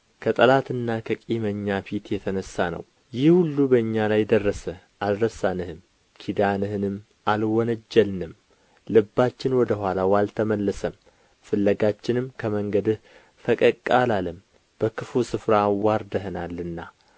ከጠላትና ከቂመኛ ፊት የተነሣ ነው ይህ ሁሉ በእኛ ላይ ደረሰ አልረሳንህም ኪዳንህንም አልወነጀልንም ልባችን ወደ ኋላው አልተመለሰም ፍለጋችንም ከመንገድህ ፈቀቅ አላለም በክፉ ስፍራ አዋርደኸናልና